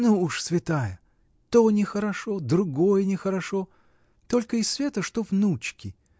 — Ну уж, святая: то нехорошо, другое нехорошо. Только и света, что внучки!